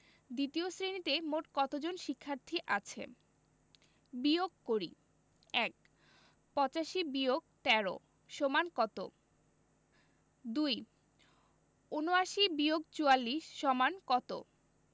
দ্বিতীয় শ্রেণিতে মোট কত জন শিক্ষার্থী আছে বিয়োগ করিঃ ১ ৮৫-১৩ = কত ২ ৭৯-৪৪ = কত